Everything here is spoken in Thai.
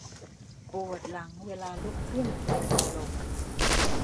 ปวดหลังเวลาลุกขึ้นและนั่งลง